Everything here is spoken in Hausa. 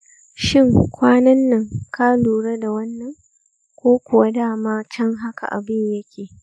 shin kwanan nan ka lura da wannan, ko kuwa dama can haka abun yake?